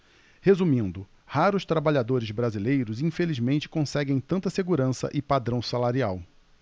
resumindo raros trabalhadores brasileiros infelizmente conseguem tanta segurança e padrão salarial